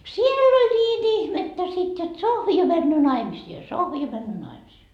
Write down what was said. siellä oli niin ihmettä sitten jotta Sohvi jo menee naimisiin ja Sohvi jo menee naimisiin